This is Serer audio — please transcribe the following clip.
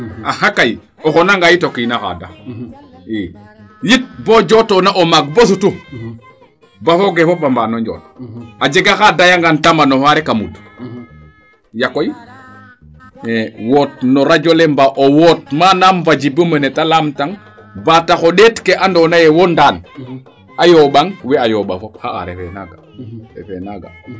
Axa kay o xonangaa yit o kiin a xaada i yit bo jootona o maag bo sutu ba foogee fop a mbaagan o njoot, a jega xaa dayangaan tamando faa rek a mud Yaag koy woot no radio le mbaa o woot manaam fo Djiby mene ta laamtang ba tax o ɗeet ke andoona yee wo Ndane a yoɓaang wee a yooɓa fop xa'aa refee naaga refee naaga.